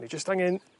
O'n i jyst angen